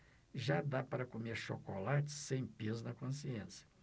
já dá para comer chocolate sem peso na consciência